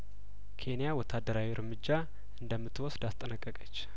ኬንያ ወታደራዊ እርምጃ እንደምት ወስድ አስጠነቀቀች